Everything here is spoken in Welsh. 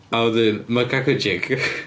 A wedyn, macaque chick .